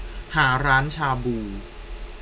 หาร้านชาบู